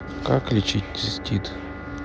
как лечить цистит